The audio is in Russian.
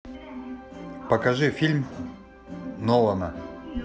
покажи фильмы нолана